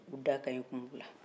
u da ka ɲi kun fila